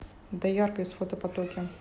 доярка из фотопотоки